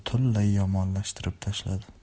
ahvolimizni butunlay yomonlashtirib tashladi